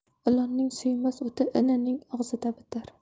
ilonning suymas o'ti inining og'zida bitar